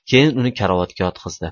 keyin uni karavotga yotqizdi